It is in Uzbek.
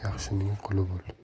yaxshining quli bo'l